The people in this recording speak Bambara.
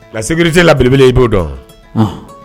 Nkasigibiri tɛ labele i b'o dɔn